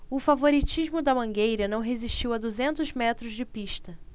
o favoritismo da mangueira não resistiu a duzentos metros de pista